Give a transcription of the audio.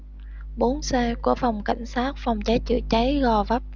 bốn xe của phòng cảnh sát phòng cháy chửa cháy gò vấp